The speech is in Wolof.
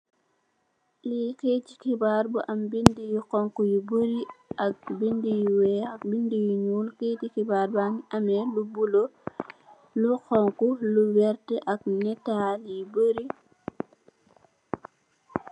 Li kayeti xibar yu am beinda yu xonxu yu bari beinda yu wex beinda yu njul kayeti xibar bangi ame lu bula lu xonxu ak natal yu barri